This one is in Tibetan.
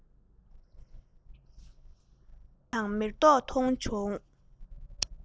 སྤང དང མེ ཏོག མཐོང བྱུང